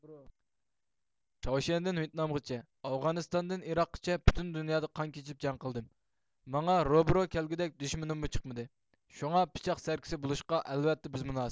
چاۋشيەندىن ۋېيتنامغىچە ئافغانىستاندىن ئىراققىچە پۈتۈن دۇنيادا قان كېچىپ جەڭ قىلدىم ماڭا روبىرو كەلگۈدەك دۈشمىنىممۇ چىقمىدى شۇڭا پىچاق سەركىسى بولۇشقا ئەلۋەتتە بىز مۇناسىپ